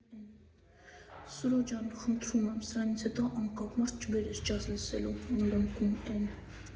Սուրո ջան, խնդրում եմ սրանից հետո անկապ մարդ չբերես ջազ լսելու, լոմկում են։